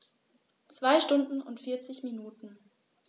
2 Stunden und 40 Minuten